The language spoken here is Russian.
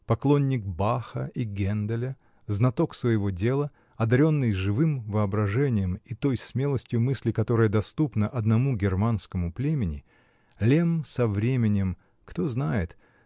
Поклонник Баха и Генделя, знаток своего дела, одаренный живым воображением и той смелостью мысли, которая доступна одному германскому племени, Лемм со временем -- кто знает?